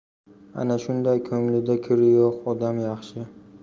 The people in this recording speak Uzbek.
ana shunday ko'nglida kiri yo'q odam yaxshi